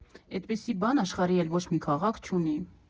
Էդպիսի բան աշխարհի էլ ոչ մի քաղաք չունի։